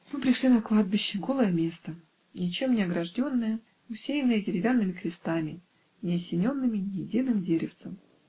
Мы пришли на кладбище, голое место, ничем не огражденное, усеянное деревянными крестами, не осененными ни единым деревцом.